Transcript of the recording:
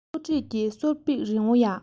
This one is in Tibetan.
བསླུ བྲིད ཀྱི གསོར འབིག རིང བོ ཡ